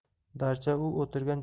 darcha u o'tirgan